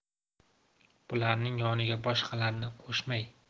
bularning yoniga boshqalarni qo'shmay